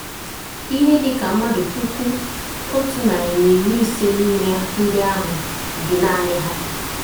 Ihe dị ka mmadụ puku 150 n'ime ndị ahụ bi naanị ha.